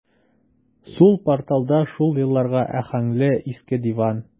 Сул порталда шул елларга аһәңле иске диван.